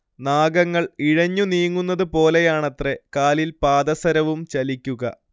നാഗങ്ങൾ ഇഴഞ്ഞുനീങ്ങുന്നത് പോലെയാണത്രെ കാലിൽ പാദസരവും ചലിക്കുക